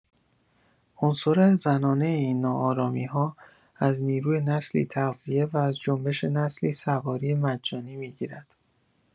عنصر زنانه این ناآرامی‌ها از نیروی نسلی تغذیه و از جنبش نسلی سواری مجانی می‌گیرد.